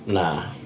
Na.